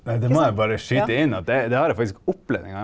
nei det må jeg bare skyte inn at det det har jeg faktisk opplevd en gang.